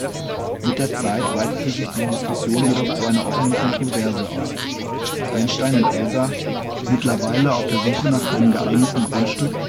die Diskussion jedoch zu einer offenen Kontroverse aus. Einstein und Elsa, mittlerweile auf der Suche nach einem geeigneten Grundstück